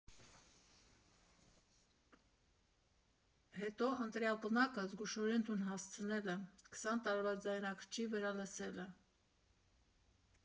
Հետո ընտրյալ պնակը զգուշորեն տուն հասցնելը, քսան տարվա ձայնարկչի վրա լսելը։